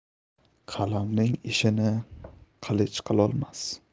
qalamning ishini qilich qilolmas